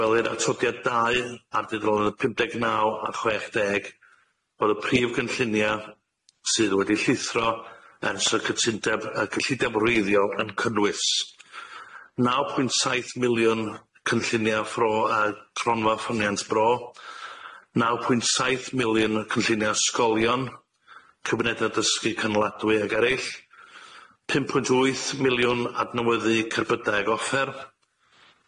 Gwelir atodiad dau ar dudalena pum deg naw a chwech deg bod y prif gynllunia sydd wedi llithro ers y cytundeb y cyllideb wreiddiol yn cynnwys: naw pwynt saith miliwn cynllunia ffro a cronfa ffoniant bro, naw pwynt saith miliwn o cynllunia ysgolion, cymuneda dysgu cynaladwy ag erill, pum pwynt wyth miliwn adnewyddu cerbydau ag offer.